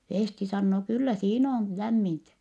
Festi sanoo kyllä siinä on lämmintä